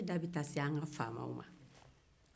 n da bɛ taa se an ka faamaw ma